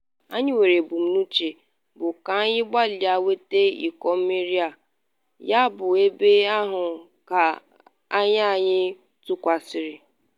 Anyị nwere ebumnuche, bụ ka anyị gbalịa nweta iko mmeri a, ya bụ ebe ahụ ka anya anyị tụkwasara.